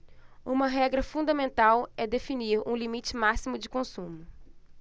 uma regra fundamental é definir um limite máximo de consumo